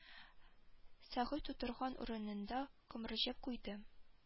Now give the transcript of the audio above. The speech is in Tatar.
Сәгыйть утырган урынында кымырҗып куйды